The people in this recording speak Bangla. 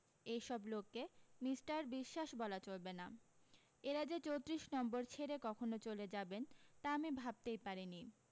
এই সব লোককে মিষ্টার বিশ্বাস বলা চলবে না এরা যে চোত্রিশ নম্বর ছেড়ে কখনো চলে যাবেন তা আমি ভাবতেই পারি নি